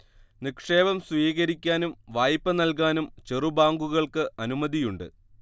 നിക്ഷേപം സീകരിക്കാനും വായ്പ നൽക്കാനും ചെറു ബാങ്കുകൾക്ക് അനുമതിയുണ്ട്